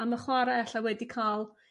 a ma' chwar'e e'lla' wedi ca'l